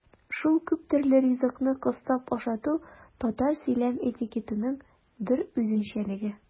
Шул күптөрле ризыкны кыстап ашату татар сөйләм этикетының бер үзенчәлеге.